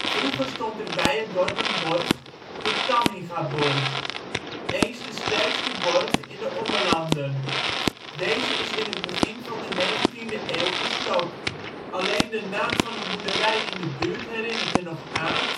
Vroeger stond er bij het dorp een borg: de Tammingaborg, eens de sterkste borg in de Ommelanden. [bron?] Deze is in het begin van de negentiende eeuw gesloopt. Alleen de naam van een boerderij in de buurt herinnert er nog aan